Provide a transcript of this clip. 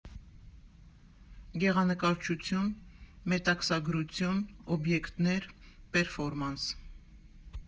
Գեղանկարչություն, մետաքսագրություն, օբյեկտներ, պերֆորմանս։